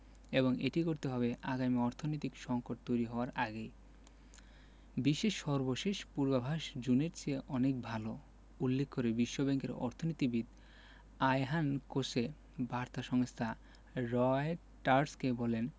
এবং এটি করতে হবে আগামী অর্থনৈতিক সংকট তৈরি হওয়ার আগেই বিশ্বের সর্বশেষ পূর্বাভাস জুনের চেয়ে অনেক ভালো উল্লেখ করে বিশ্বব্যাংকের অর্থনীতিবিদ আয়হান কোসে বার্তা সংস্থা রয়টার্সকে বলেন